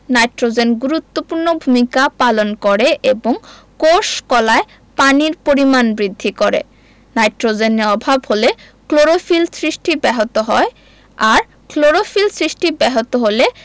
nitrogen গুরুত্বপূর্ণ ভূমিকা পালন করে এবং কোষ কলায় পানির পরিমাণ বৃদ্ধি করে নাইট্রোজেনের অভাব হলে ক্লোরোফিল সৃষ্টি ব্যাহত হয় আর ক্লোরোফিল সৃষ্টি ব্যাহত হলে